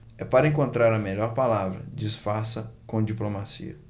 é para encontrar a melhor palavra disfarça com diplomacia